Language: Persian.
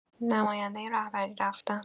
نماینده رهبری رفتن